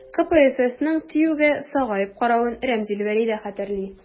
КПССның ТИҮгә сагаеп каравын Римзил Вәли дә хәтерли.